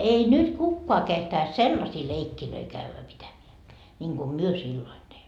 ei nyt kukaan kehtaisi sellaisia leikkejä käydä pitämään niin kuin me silloin teimme